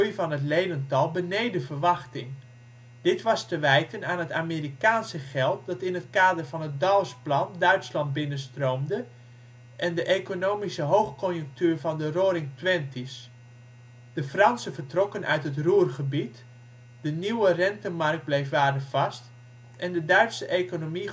van het ledental beneden verwachting. Dit was te wijten aan het Amerikaanse geld dat in het kader van het Dawes-plan Duitsland binnenstroomde, en de economische hoogconjunctuur van de Roaring Twenties. De Fransen vertrokken uit het Ruhrgebied, de nieuwe Rentenmark bleek waardevast, en de Duitse economie